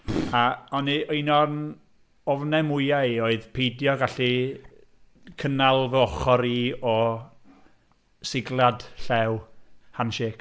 A o'n i... un o'n ofnau mwyaf i oedd peidio gallu cynnal fy ochor i o sigliad llaw hand shake.